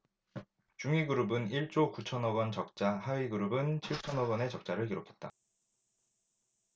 중위그룹은 일 조 구천 억원 적자 하위그룹은 칠천 억원 의 적자를 기록했다